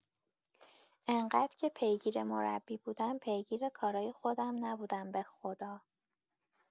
انقد که پیگیر مربی بودم پیگیر کارای خودم نبودم بخدا